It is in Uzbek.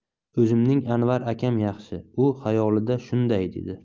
o'zimning anvar akam yaxshi u xayolida shunday dedi